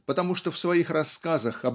потому что в своих рассказах